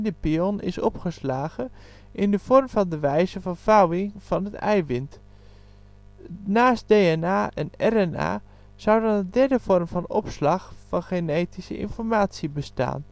prion is opgeslagen in de vorm van de wijze van vouwing van het eiwit. Naast DNA en RNA zou dan een derde vorm van opslag van genetische informatie bestaan